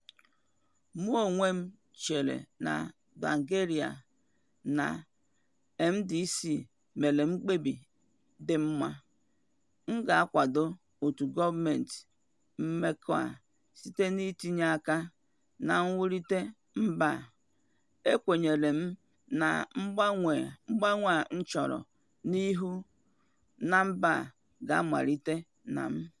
Mụ onwe m chere na Tsvangirai na MDC mere mkpebi dị mma. M ga-akwado òtù gọọmentị mmekọ a site n'itinye aka na mwulite mba a, e kwenyere m na mgbanwe m chọrọ ịhụ na mba a ga-amalite na mụ.